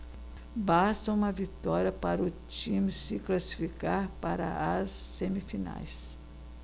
basta uma vitória para o time se classificar para as semifinais